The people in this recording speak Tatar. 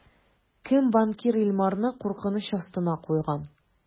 Кем банкир Илмарны куркыныч астына куйган?